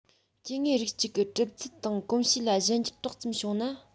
སྐྱེ དངོས རིགས གཅིག གི གྲུབ ཚུལ དང གོམས གཤིས ལ གཞན འགྱུར ཏོག ཙམ བྱུང ན